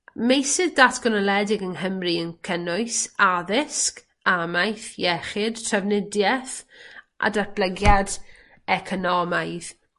Meysydd datganoledig yng Nghymru yn cynnwys addysg, amaeth, iechyd, trafnidieth a datblygiad economaidd.